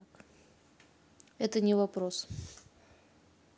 это не вопрос